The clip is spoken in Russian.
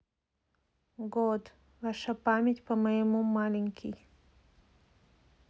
god ваша память по моему маленький